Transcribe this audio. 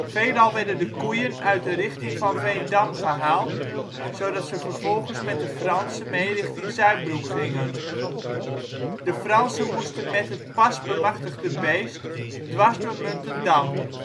Veelal werden de koeien uit de richting van Veendam gehaald, zodat ze vervolgens met de Fransen mee richting Zuidbroek gingen. De Fransen moesten met het pas bemachtigde beest dwars door Muntendam